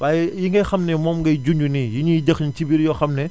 waaye yi ngay xam ne moom ngay junj nii yi ñuy dëxëñ ci biir yoo xam ne